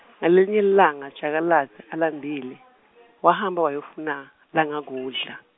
ngalelinye lilanga, jakalazi alambile, wahamba wayofuna, langakudla.